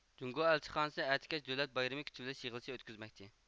جۇڭگۇ ئەلچىخانىسى ئەتە كەچ دۆلەت بايرىمىنى كۈتىۋىلىش يىغىلىشى ئۆتكۈزمەكچى